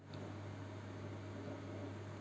приятный батый